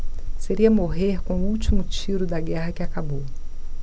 seria morrer com o último tiro da guerra que acabou